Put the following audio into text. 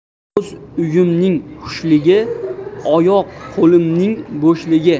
o'z uyimning xushligi oyoq qo'limning bo'shligi